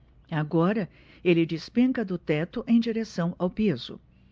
agora ele despenca do teto em direção ao piso